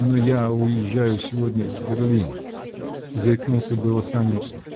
-- Но я уезжаю сегодня в Берлин, -- заикнулся было Санин.